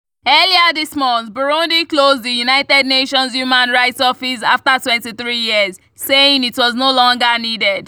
Earlier this month, Burundi closed the United Nations human rights office after 23 years, saying it was no longer needed.